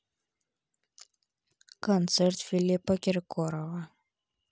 концерт филиппа киркорова